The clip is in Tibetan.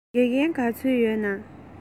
དགེ རྒན ག ཚོད ཡོད ན